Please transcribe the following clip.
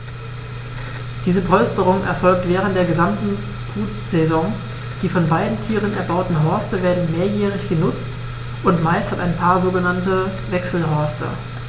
Diese Polsterung erfolgt während der gesamten Brutsaison. Die von beiden Tieren erbauten Horste werden mehrjährig benutzt, und meist hat ein Paar mehrere sogenannte Wechselhorste.